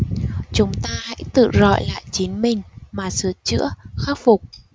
chúng ta hãy tự rọi lại chính mình mà sửa chữa khắc phục